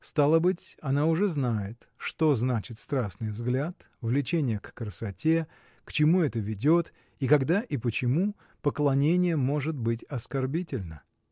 Стало быть, она уже знает, что значит страстный взгляд, влечение к красоте, к чему это ведет и когда и почему поклонение может быть оскорбительно.